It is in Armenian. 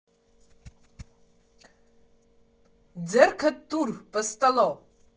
ՁԵՌՔԴ ՏՈՒՐ, ՊՍՏԼՈ։